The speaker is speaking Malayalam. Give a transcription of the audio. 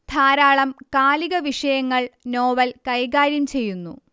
ധാരാളം കാലിക വിഷയങ്ങൾ നോവൽ കൈകാര്യം ചെയ്യുന്നു